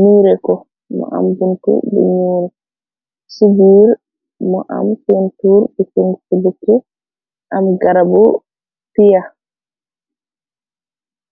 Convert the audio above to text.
nuire ko mo am buntu bu ñyuul ci biir mo am fentur bu fen si buke am garabu pia.